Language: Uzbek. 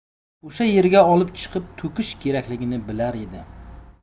o'sha yerga olib chiqib to'kish kerakligini bilar edi